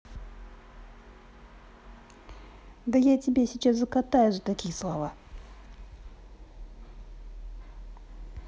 да я тебя сейчас закатаю за такие слова